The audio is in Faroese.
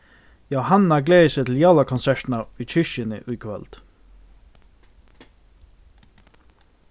jóhanna gleðir seg til jólakonsertina í kirkjuni í kvøld